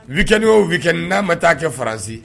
__ weekend o wsskend _n'a ma t taaa kɛ faransi